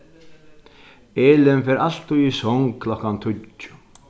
elin fer altíð í song klokkan tíggju